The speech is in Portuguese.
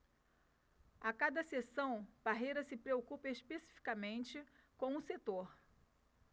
a cada sessão parreira se preocupa especificamente com um setor